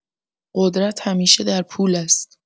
قدرت همیشه در پول است.